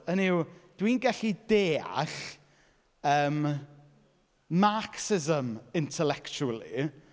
Hynny yw dwi'n gallu deall yym marxism intellectually